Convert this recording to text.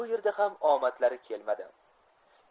bu yerda ham omadlari kelmadi